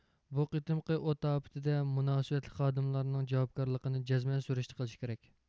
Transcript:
بۇ قېتىمقى ئوت ئاپىتىدە مۇناسىۋەتلىك خادىملارنىڭ جاۋابكارلىقىنى جەزمەن سۈرۈشتە قىلىش كېرەك